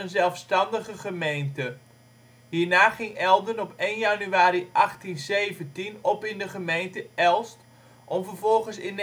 zelfstandige gemeente. Hierna ging Elden op 1 januari 1817 op in gemeente Elst om vervolgens in